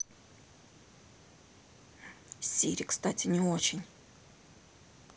сири кстати не очень